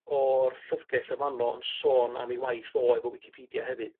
o'r llyfrgell yn fano yn sôn am ei waith o efo wicipedia hefyd.